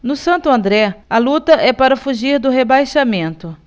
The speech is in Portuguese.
no santo andré a luta é para fugir do rebaixamento